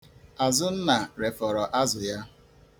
Azụnna refọrọ azụ ya.